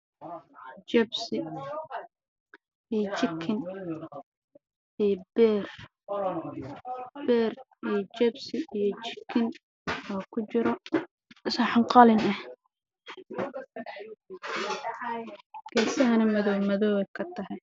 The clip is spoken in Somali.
Jibsi iyo jikin oo ku jiro saxan qalin ah